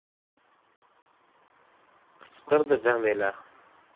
qichqirdi jamila